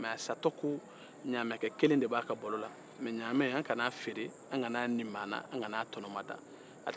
mɛ a satɔ ko ɲaamɛ kelen de b'a bolo bɔlɔ la mɛ an kana ɲaamɛ in feere an kana ni maa na an kan'a tɔnɔmada